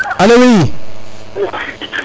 alo oui